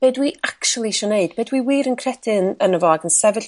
be dwi actually isio 'neud be dwi wir yn credu yno fo sefyll